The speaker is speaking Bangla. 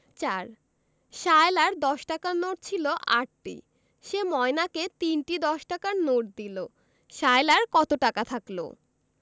৪ সায়লার দশ টাকার নোট ছিল ৮টি সে ময়নাকে ৩টি দশ টাকার নোট দিল সায়লার কত টাকা থাকল